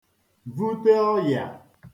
vute oyịà